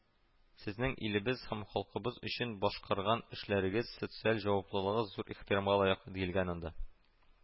“сезнең илебез һәм халкыбыз өчен башкарган эшләрегез, социаль җаваплылыгы зур ихтирамга лаек”, диелгән анда